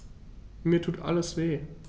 Mir tut alles weh.